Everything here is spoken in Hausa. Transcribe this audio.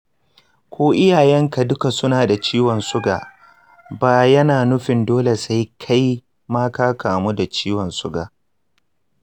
ko iyayenka duka suna da ciwon suga, ba yana nufin dole sai kai ma ka kamu da ciwon suga.